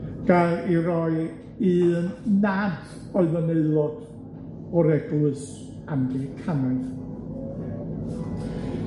gael 'i roi i un nad oedd yn aelod o'r Eglwys Anglicanaidd.